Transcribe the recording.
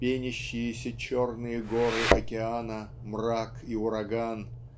пенящиеся черные горы океана мрак и ураган